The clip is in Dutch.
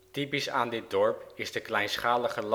Typisch aan dit dorp is de kleinschalige